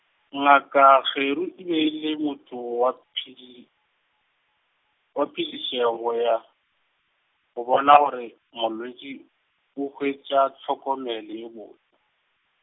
ngaka Kgeru e be e le motho wa phide-, wa phide- sego ya, go bona gore molwetši, o hwetša tlhokomelo ye bot- .